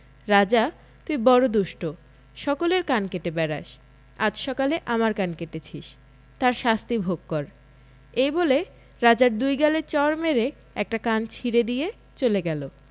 রাজা তুই বড়ো দুষ্ট্র সকলের কান কেটে বেড়াস আজ সকালে আমার কান কেটেছিস তার শাস্তি ভোগ কর এই বলে রাজার দুই গালে চড় মেরে একটা কান ছিড়ে দিয়ে চলে গেল